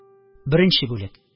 Беренче бүлек